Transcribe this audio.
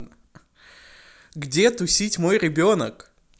где тусить мой ребенок